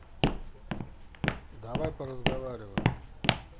давай поразговариваем